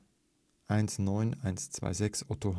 19126) Ottohahn